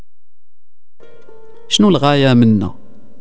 شنو الغايه منه